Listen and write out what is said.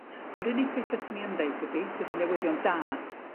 Yr unig beth fyswn i yn deud ydi sydd y newyddion da